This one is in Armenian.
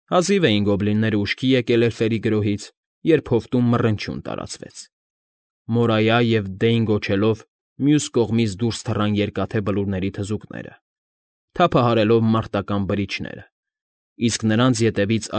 Հազիվ էին գոբլինները ուշքի եկել էլֆերի գրոհից, երբ հովտում մռնչյուն տարածվեց։ «Մորայա» և «Դեյն» գոչելով մյուս կողմից դուրս թռան Երկաթե Բլուրների թզուկները՝ թափահարելով մարտական բրիչները, իսկ նրանց ետևից։